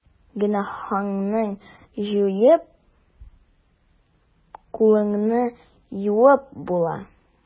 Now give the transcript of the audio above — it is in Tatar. Гөнаһыңны җуеп, кулыңны юып була.